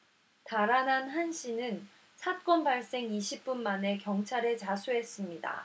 달아난 한 씨는 사건 발생 이십 분 만에 경찰에 자수했습니다